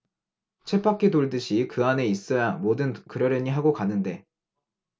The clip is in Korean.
쳇바퀴 돌 듯이 그 안에 있어야 뭐든 그러려니 하고 가는데